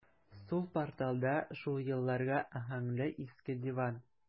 Сул порталда шул елларга аһәңле иске диван.